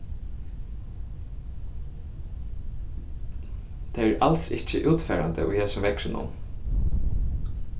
tað er als ikki útfarandi í hesum veðrinum